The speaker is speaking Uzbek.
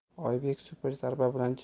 oybek super zarba bilan